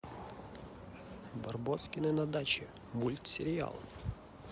барбоскины на даче мультсериал